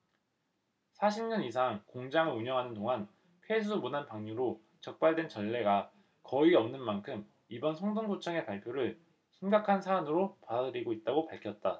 사십 년 이상 공장을 운영하는 동안 폐수 무단 방류로 적발된 전례가 거의 없는 만큼 이번 성동구청의 발표를 심각한 사안으로 받아들이고 있다고 밝혔다